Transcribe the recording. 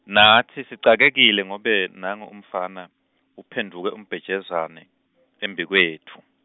natsi sicakekile ngobe, nangu umfana, uphendvuke umbhejazane , embikwetfu.